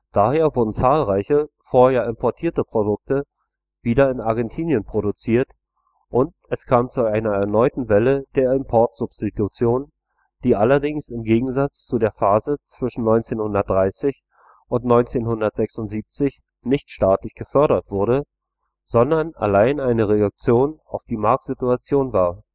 Daher wurden zahlreiche vorher importierte Produkte wieder in Argentinien produziert, und es kam zu einer erneuten Welle der Importsubstitution, die allerdings im Gegensatz zu der Phase zwischen 1930 und 1976 nicht staatlich gefördert wurde, sondern allein eine Reaktion auf die Marktsituation war